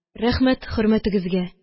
– рәхмәт хөрмәтегезгә